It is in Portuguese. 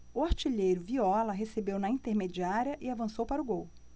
o artilheiro viola recebeu na intermediária e avançou para o gol